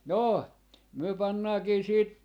no me pannaankin sitten